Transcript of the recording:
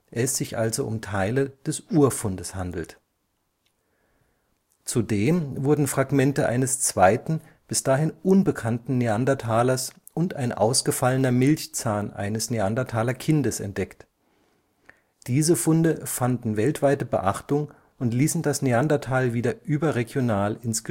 es sich also um Teile des Urfundes handelt. Zudem wurden Fragmente eines zweiten, bis dahin unbekannten Neandertalers und ein ausgefallener Milchzahn eines Neandertalerkindes entdeckt. Diese Funde fanden weltweite Beachtung und ließen das Neandertal wieder überregional ins